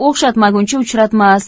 o'xshatmaguncha uchratmas